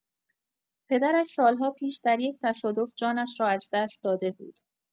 پدرش سال‌ها پیش در یک تصادف جانش را از دست داده بود.